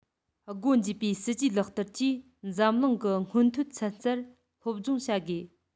སྒོ འབྱེད པའི སྲིད ཇུས ལག བསྟར གྱིས འཛམ གླིང གི སྔོན ཐོན ཚན རྩལ སློབ སྦྱོང བྱ དགོས